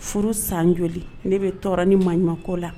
Furu san joli ne bɛ tɔɔrɔ ni makɔ la